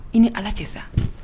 I ni ala cɛ sa